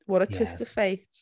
What a twist of fate.